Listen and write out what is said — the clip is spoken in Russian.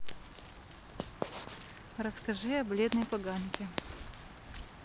расскажи о бледной поганке